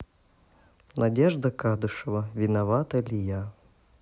надежда кадышева виновата ли я